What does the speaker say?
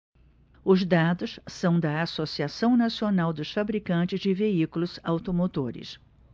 os dados são da anfavea associação nacional dos fabricantes de veículos automotores